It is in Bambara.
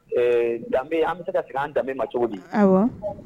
Ɛɛ danbe an bɛ se ka segin an danbe ma cogo di